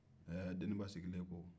ɛ deniba sigilen ko